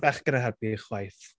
...bechgyn yn helpu chwaith.